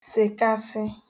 sèkasị